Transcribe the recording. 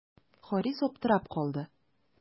Харис аптырап калды.